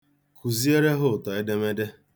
Kụziere ha ụtọ edemede.